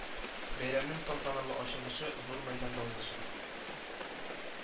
Бәйрәмнең тантаналы ачылышы зур мәйданда узачак